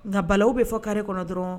Nka balaw bɛ fɔ carré kɔnɔ dɔrɔɔn